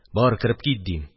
Бар, кереп кит, – дим.